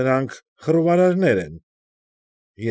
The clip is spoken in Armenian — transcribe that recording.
Նրանք խռովարարներ են։